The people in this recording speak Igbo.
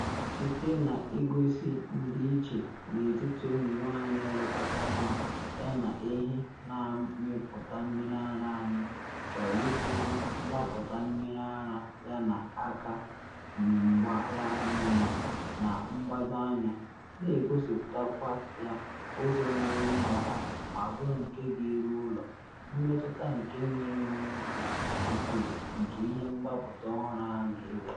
Site na igosi ndịiche n’etiti ụmụ nwanyị na elekọta nwa yana ehi na amịpụta mmiri ara anyị chọrọ itinye mgbapụta mmiri ara yana aka mgba ya niile na mgbado anya, na egosipụtakwa ya ụzọ na enye ọhụụ ma bụrụ nke gaa eru ụlọ, mmetụta nke nnwere onwe dị ukwuu nke ihe mgbapụta ọhụrụ ahụ ga-ewete.